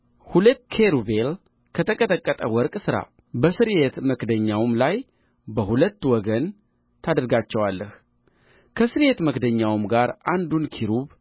ሁለት ኪሩቤል ከተቀጠቀጠ ወርቅ ሥራ በስርየት መክደኛውም ላይ በሁለት ወገን ታደርጋቸዋለህ ከስርየት መክደኛውም ጋር አንዱን ኪሩብ